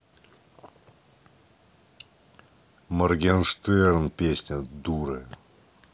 моргенштерн песня дура